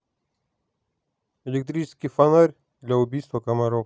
электрический фонарь для убийства комаров